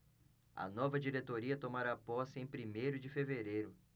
a nova diretoria tomará posse em primeiro de fevereiro